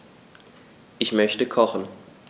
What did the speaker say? Ich möchte kochen.